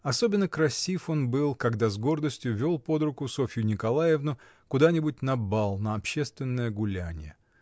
Особенно красив он был, когда с гордостью вел под руку Софью Николаевну куда-нибудь на бал, на общественное гулянье.